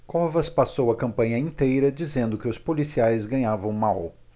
covas passou a campanha inteira dizendo que os policiais ganhavam mal